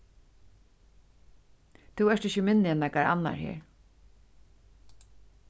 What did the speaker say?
tú ert ikki minni enn nakar annar her